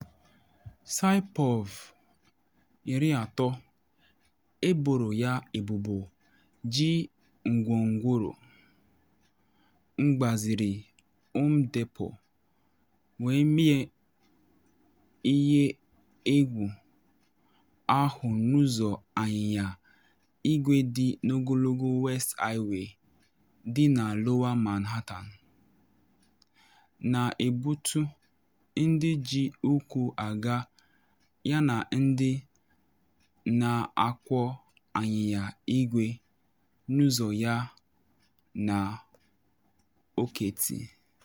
Saipov, 30, eboro ya ebubo ji gwongworo mgbaziri Home Depot wee mee ihe egwu ahụ n’ụzọ anyịnya igwe dị n’ogologo West Highway dị na Lower Manhattan, na ebetu ndị ji ụkwụ aga yana ndị na akwọ anyịnya igwe n’ụzọ ya na Ọkt.